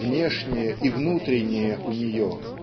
внешнее и внутреннее у нее